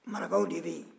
marakaw de bɛ yen